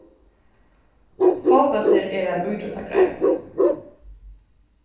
fótbóltur er ein ítróttagrein